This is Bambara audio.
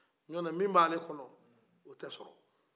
ni o tɛ min bɛ ale kɔnɔ o tɛ sɔrɔ